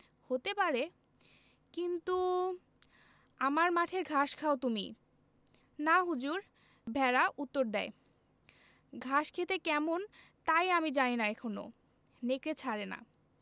হতে পারে কিন্তু আমার মাঠের ঘাস খাও তুমি না হুজুর ভেড়া উত্তর দ্যায় ঘাস খেতে কেমন তাই আমি জানি না এখনো নেকড়ে ছাড়ে না